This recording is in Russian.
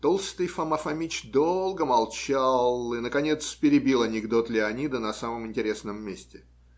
Толстый Фома Фомич долго молчал и, наконец, перебил анекдот Леонида на самом интересном месте.